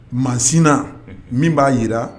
Machine ,unhun, min b'a jira